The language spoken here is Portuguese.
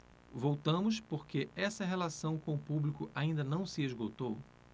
voltamos porque essa relação com o público ainda não se esgotou